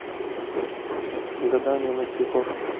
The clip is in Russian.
гадание на цветов